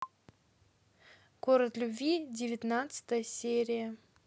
город любви девятнадцатая серия